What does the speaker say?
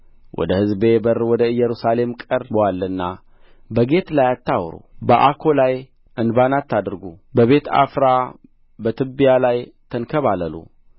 ወደ ሕዝቤም በር ወደ ኢየሩሳሌም ቀርቦአልና በጌት ላይ አታውሩ በአኮ ላይ እንባን አታድርጉ በቤትዓፍራ በትቢያ ላይ ተንከባለሉ